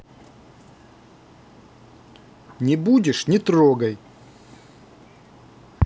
не будешь не трогай